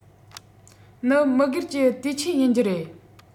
ནི མི སྒེར གྱི དུས ཆེན ཡིན གྱི རེད